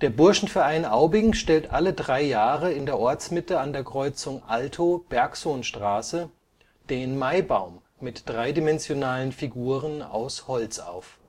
Burschenverein Aubing stellt alle drei Jahre in der Ortsmitte an der Kreuzung Alto -/ Bergsonstraße den Maibaum mit dreidimensionalen Figuren aus Holz auf